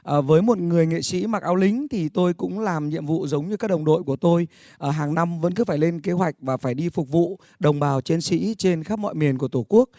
à với một người nghệ sỹ mặc áo lính thì tôi cũng làm nhiệm vụ giống như các đồng đội của tôi à hằng năm vẫn cứ phải lên kế hoạch và phải đi phục vụ đồng bào chiến sỹ trên khắp mọi miền của tổ quốc